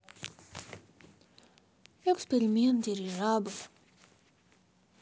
эксперимент дирижабль